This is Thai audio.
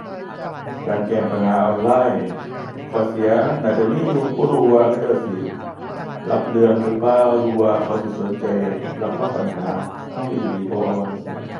การแจ้งปัญหาออนไลน์ ข้อเสียน่าจะมีอยู่ บ่รู้ว่าเขาเจ้าสิรับเรื่องหรือเปล่า หรือว่าเขาสิสนใจรับฟังปัญหาเราอีหลีบ่จั่งซี้